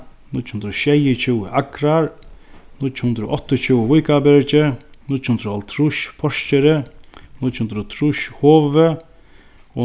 níggju hundrað og sjeyogtjúgu akrar níggju hundrað og áttaogtjúgu víkarbyrgi níggju hundrað og hálvtrýss porkeri níggju hundrað og trýss hovi